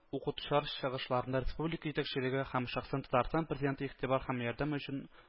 Укытучылар чыгышларында республика җитәкчелеге һәм шәхсән татарстан президентыны игътибар һәм ярдәм өчен